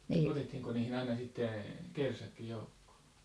otettiinko niihin aina sitten kersatkin joukkoon